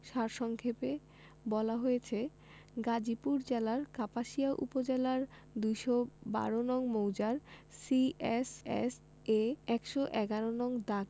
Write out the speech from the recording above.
সার সংক্ষেপে বলা হয়েছে গাজীপুর জেলার কাপাসিয়া উপজেলার ২১২ নং মৌজার সি এস এস এ ১১১ নং দাগ